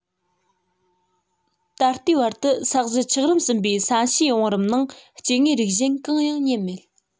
ད ལྟའི བར དུ ས གཞི ཆགས རིམ གསུམ པའི ས གཤིས བང རིམ ནང སྐྱེ དངོས རིགས གཞན གང ཡང རྙེད མེད